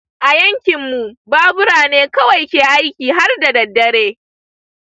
a yankinmu, babura ne kawai ke aiki har da daddare.